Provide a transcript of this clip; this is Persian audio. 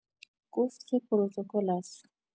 گفت که پروتکل است